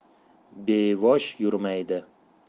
bevosh yurmaydi